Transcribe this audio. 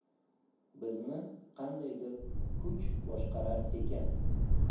bizni qandaydir kuch boshqarar ekan